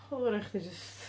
Wel fydd raid i chdi jyst...